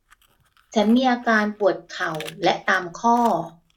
ฉันมีอาการปวดเข่าและตามข้อ